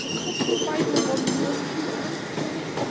The Crystal Bible Volume One, Two, and Three?